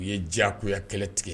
U ye diya kuyaya kɛlɛ tigɛ